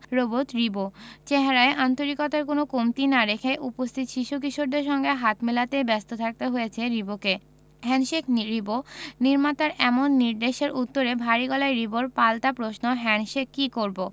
robot Ribo চেহারায় আন্তরিকতার কোনো কমতি না রেখে উপস্থিত শিশু কিশোরদের সঙ্গে হাত মেলাতেই ব্যস্ত থাকতে হয়েছে রিবোকে হ্যান্ডশেক রিবো নির্মাতার এমন নির্দেশের উত্তরে ভারী গলায় রিবোর পাল্টা প্রশ্ন হ্যান্ডশেক কি করবো